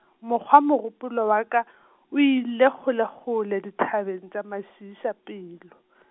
mokgwa mogopolo wa ka , o ile kgolekgole dithabeng tša mašiišapelo .